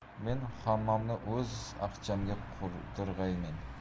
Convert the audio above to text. men hammomni o'z aqchamga qurdirgaymen